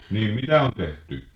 niin mitä on tehty